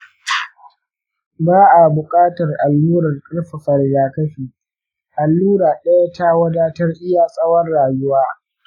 ba'a bukatar allurar karfafa rigakafi, allura daya ta wadatar iya tsawon rayuwa